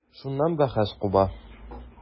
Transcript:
Шуннан бәхәс куба.